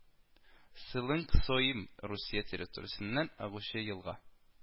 Селынг-Соим Русия территориясеннән агучы елга